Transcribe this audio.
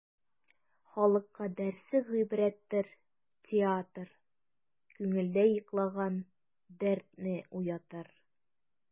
Халыкка дәрсе гыйбрәттер театр, күңелдә йоклаган дәртне уятыр.